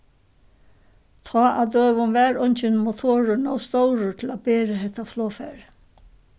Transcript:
tá á døgum var eingin motorur nóg stórur til at bera hetta flogfarið